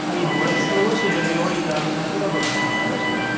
A unwaith glywes hi erioed, a mae 'na siŵr o fod pymtheg mlynedd ers hynny.